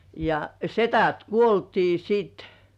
ja sedät kuoltiin sitten